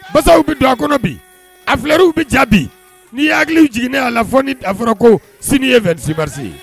Masasaw bɛ don a kɔnɔ bi a filɛw bɛ jaabi n nii hakiliw jiginiginɛ'a la fɔ n ni dafa fɔra ko sini ye vba ye